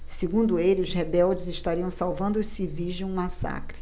segundo ele os rebeldes estariam salvando os civis de um massacre